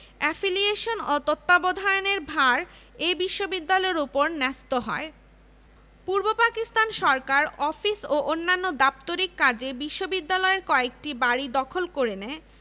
এবং ১৯৬৯ সালের গণঅভ্যুত্থান পরবর্তী সামরিক সরকার সারা দেশব্যাপী নির্যাতন ও ভীতিকর পরিবেশ সৃষ্টি করলে ১৯৭১ সালে বাঙালির মুক্তির লক্ষ্যে